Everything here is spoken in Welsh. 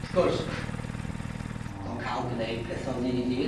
Wrth gwrs, 'dd o'n ca'l gneud pethe o ddydd i ddydd.